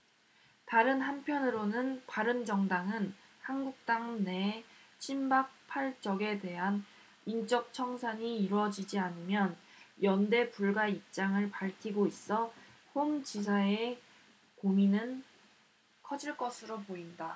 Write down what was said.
다른 한편으로는 바른정당은 한국당내 친박 팔 적에 대한 인적청산이 이뤄지지 않으면 연대 불가 입장을 밝히고 있어 홍 지사의 고민은 커질 것으로 보인다